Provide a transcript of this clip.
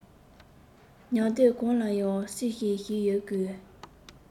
མཉམ སྡེབ གང ལ ཡང སྲོག ཤིང ཞིག ཡོད དགོས